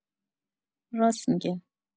راس می‌گه